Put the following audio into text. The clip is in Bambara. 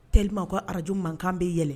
Tellement u ka arajo mankan bɛ yɛlɛ